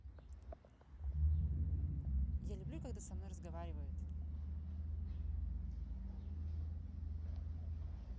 я люблю когда со мной разговаривают